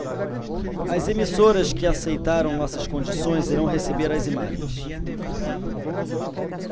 as emissoras que aceitaram nossas condições irão receber as imagens